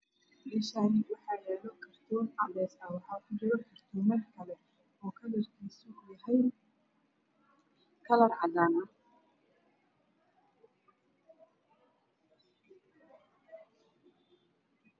Meshan waxayalo karto cadan ah waxa kujiro kartoman kale oo kalarkis yahay kslar cadan ah